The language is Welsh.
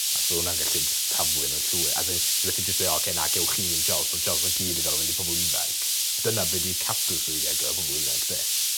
a sa wnna yn gallu jyst taflu n'w llwyr as in ti methu jyst dweu' oce na gewch chi 'im jobs ma'r jobs 'ma gyd yn gorod fynd i pobol ifanc dyna be' 'di cadw swyddi ar gyfer pobol ifanc 'de?